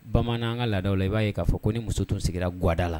Bamaana an ŋa laadaw la i b'a ye k'a fɔ ko ni muso tun sigira guwada la